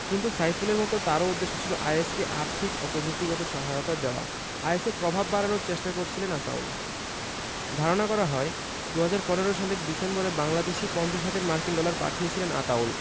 কিন্তু সাইফুলের মতো তারও উদ্দেশ্য ছিল আইএস কে আর্থিক ও প্রযুক্তিগত সহায়তা দেওয়া আইএসের প্রভাব বাড়ানোর চেষ্টা করছিলেন আতাউল ধারণা করা হয় ২০১৫ সালের ডিসেম্বরে বাংলাদেশে ৫০ হাজার মার্কিন ডলার পাঠিয়েছিলেন আতাউল